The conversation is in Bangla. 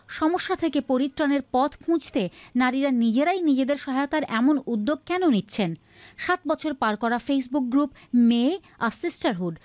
সমস্যা থেকে পরিত্রাণের পথ খুঁজতে নিজেরাই নিজেদের সহায়তার উদ্যোগ এমন কেন নিচ্ছেন সাত বছর পার করা ফেসবুক গ্রুপ মেয়ে আর সিস্টারহুড